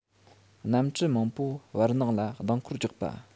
གནམ གྲུ མང པོ བར སྣང ལ ལྡིང སྐོར རྒྱག པ